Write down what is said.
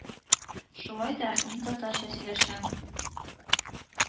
Шулай да Мин татарча сөйләшәм